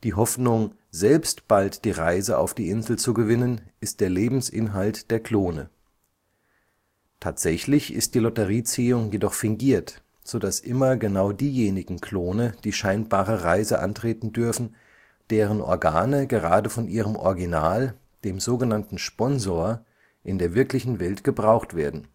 Hoffnung, selbst bald die Reise auf die Insel zu gewinnen, ist der Lebensinhalt der Klone. Tatsächlich ist die Lotterieziehung jedoch fingiert, sodass immer genau diejenigen Klone die scheinbare Reise antreten dürfen, deren Organe gerade von ihrem Original, dem sogenannten „ Sponsor “, in der wirklichen Welt gebraucht werden